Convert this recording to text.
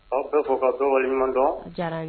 Aw bɛa fɔ k ka to walimaɲuman dɔn